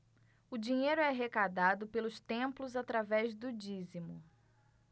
o dinheiro é arrecadado pelos templos através do dízimo